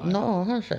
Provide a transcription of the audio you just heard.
no onhan se